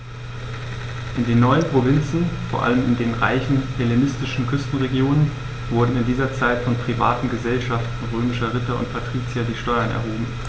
In den neuen Provinzen, vor allem in den reichen hellenistischen Küstenregionen, wurden in dieser Zeit von privaten „Gesellschaften“ römischer Ritter und Patrizier die Steuern erhoben.